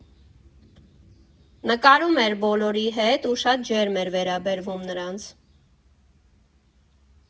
Նկարվում էր բոլորի հետ ու շատ ջերմ էր վերաբերվում նրանց։